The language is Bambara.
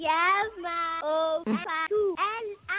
Ja faama faama